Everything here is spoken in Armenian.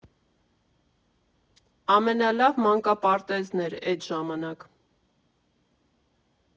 Ամենալավ մանկապարտեզն էր էդ ժամանակ։